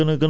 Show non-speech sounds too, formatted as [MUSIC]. [HESITATION] [HESITATION]